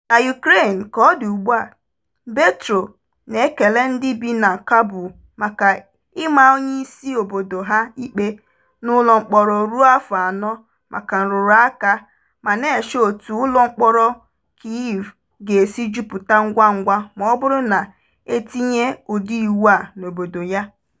Na Ukraine, kaọdị ugbua, Petro na-ekele ndị bi na Kabul maka ịma onyeisi obodo ha ikpe n'ụlọ mkpọrọ ruo afọ anọ maka nrụrụaka ma na-eche otú ụlọ mkpọrọ Kyiv ga-esi jupụta ngwangwa maọbụrụ na etinye ụdị iwu a n'obodo ya.